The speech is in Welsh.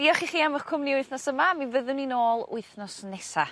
Diolch i chi am 'ych cwmni wythnos yma, mi fyddwn ni nôl wythnos nesa.